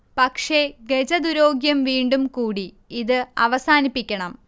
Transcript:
പക്ഷേ ഗജദുരോഗ്യം വീണ്ടും കൂടി. ഇത് അവസാനിപ്പിക്കണം